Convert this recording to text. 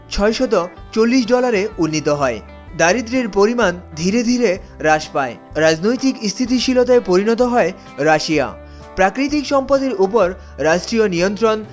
৬৪০ dollar উন্নীত হয় দারিদ্র্যের পরিমান ধীরে ধীরে হ্রাস পায় রাজনৈতিক স্থিতিশীলতায় পরিণত হয় রাশিয়া প্রাকৃতিক সম্পদের উপর রাষ্ট্রীয় নিয়ন্ত্রণ্র